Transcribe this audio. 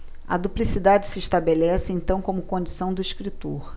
a duplicidade se estabelece então como condição do escritor